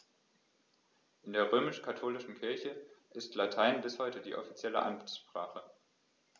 In der römisch-katholischen Kirche ist Latein bis heute offizielle Amtssprache.